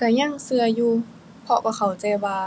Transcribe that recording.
ก็ยังก็อยู่ เพราะว่าเข้าใจว่า